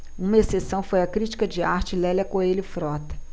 uma exceção foi a crítica de arte lélia coelho frota